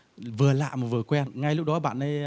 vừa lạ mà vừa quen ngay lúc đó bạn ấy